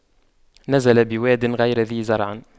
نزل بواد غير ذي زرع